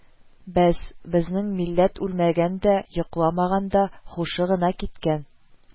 Бәс, безнең милләт үлмәгән дә, йокламаган да, һушы гына киткән